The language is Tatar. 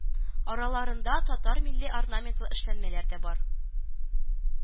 Араларында татар милли орнаментлы эшләнмәләр дә бар